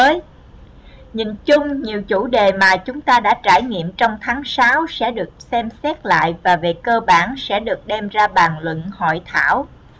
nhìn chung nhiều chủ đề mà chúng ta đã trải nghiệm trong tháng sẽ được xem xét lại và về cơ bản sẽ được đem ra bàn luận hội thảo